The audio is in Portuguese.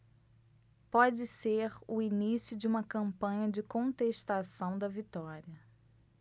pode ser o início de uma campanha de contestação da vitória